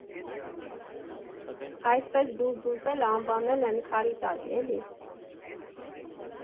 Այսպես դուզ֊դուզ էլ անվանել են, քարի տակ, էլի։